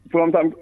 T tan